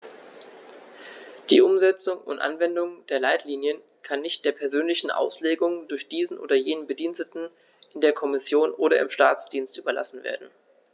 Die Umsetzung und Anwendung der Leitlinien kann nicht der persönlichen Auslegung durch diesen oder jenen Bediensteten in der Kommission oder im Staatsdienst überlassen werden.